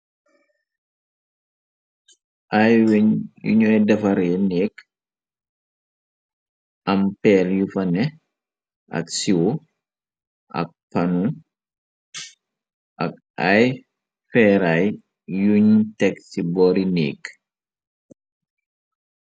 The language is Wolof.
Ay weñ yuñooy defare nekk, am peer yu fane, ak siiwo ak panu, ak ay feeray yuñ teg ci boori neekk.